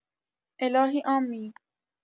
الهی آمین